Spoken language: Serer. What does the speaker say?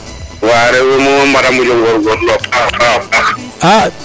wa rewe moom a mbara moƴo ngorngorlox a paxa paax